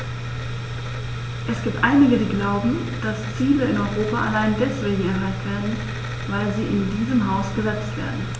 Es gibt einige, die glauben, dass Ziele in Europa allein deswegen erreicht werden, weil sie in diesem Haus gesetzt werden.